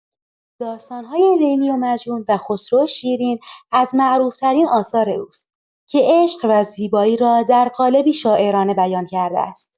داستان‌های «لیلی و مجنون» و «خسرو و شیرین» از معروف‌ترین آثار اوست که عشق و زیبایی را در قالبی شاعرانه بیان کرده است.